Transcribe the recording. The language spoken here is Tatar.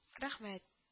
Рәхмәт